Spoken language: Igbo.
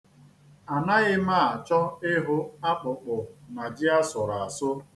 Anaghị m achọ ịhụ akpụkpụ na ji asụrụ asụ.